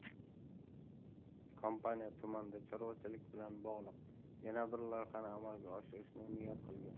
kompaniya tumanda chorvachilik bilan bog'liq yana bir loyihani amalga oshirishni niyat qilgan